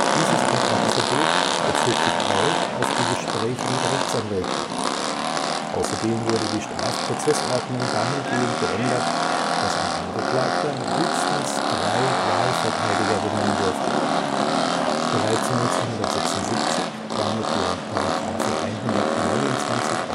Dieses Kontaktverbot bezog sich auch auf die Gespräche mit Rechtsanwälten. Außerdem wurde die Strafprozessordnung dahingehend geändert, dass ein Angeklagter höchstens drei Wahlverteidiger benennen durfte. Bereits 1976 war mit dem § 129a